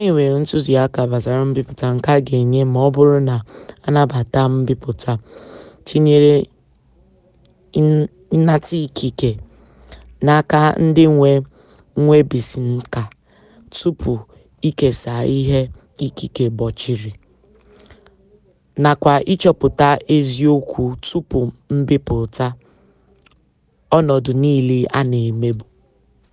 Anyị nwere ntụziaka gbasara mbipụta nke a ga-enye ma ọ bụrụ na a nabata mbipụta, tinyere ịnata ikike n'aka ndị nwe nnwebisiinka tupu ikesa ihe ikike gbochiri, nakwa ịchọpụta eziokwu tupu mbipụta - ọnọdụ niile a na-emebu.